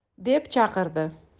deb chaqirdi